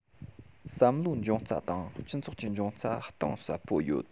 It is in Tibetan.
བསམ བློའི འབྱུང རྩ དང སྤྱི ཚོགས ཀྱི འབྱུང རྩ གཏིང ཟབ པོ ཡོད